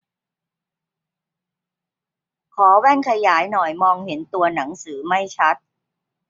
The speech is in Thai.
ขอแว่นขยายหน่อยมองเห็นตัวหนังสือไม่ชัด